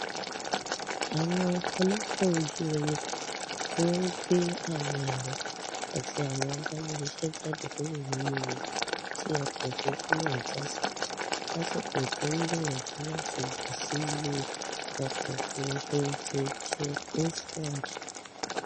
Àwọn ọlọ́kò ojú-omi ni wọ́n gbé àwọn èrò àti àwọn abániṣíṣẹ́ jáde kúrò nínú omi tí ọkọ̀-òfúrufú náà jásí lásìkò tó ń gbìyànjú láti bà sí ilé-ọkọ̀ òfurufú ti Chuuk Island.